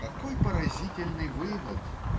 Какой поразительный вывод!